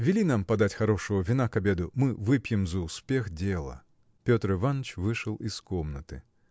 вели нам подать хорошего вина к обеду: мы выпьем за успех дела. Петр Иваныч вышел из комнаты.